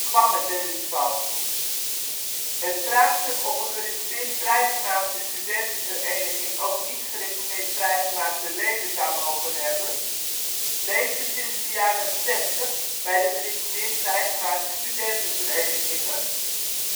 kwam het er niet van. Het vraagstuk of een gereformeerd-vrijgemaakte studentenvereniging ook niet-gereformeerd-vrijgemaakte leden zou mogen hebben, leefde sinds de jaren ' 60 bij de gereformeerd-vrijgemaakte studentenverenigingen,